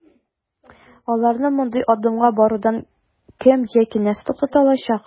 Аларны мондый адымга барудан кем яки нәрсә туктата алачак?